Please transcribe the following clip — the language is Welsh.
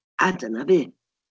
A dyna fu.